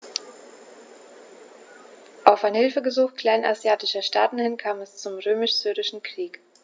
Auf ein Hilfegesuch kleinasiatischer Staaten hin kam es zum Römisch-Syrischen Krieg.